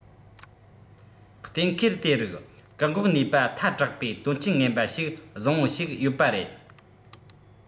གཏན འཁེལ དེ རིགས བཀག འགོག ནུས པ ཐལ དྲགས པའི དོན རྐྱེན ངན པ ཞིག བཟང བོ ཞིག ཡོད པ རེད